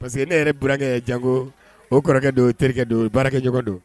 Parce que ne yɛrɛ bkɛ jango o kɔrɔkɛ don terikɛ don baarakɛjɔ don